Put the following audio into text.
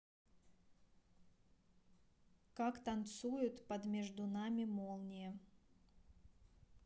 как танцуют под между нами молния